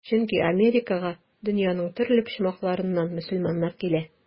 Чөнки Америкага дөньяның төрле почмакларыннан мөселманнар килә.